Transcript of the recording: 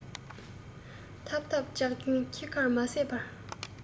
འཐབ འཐབ ལྕག རྒྱུན ཁྱི ཁར མ ཟད པར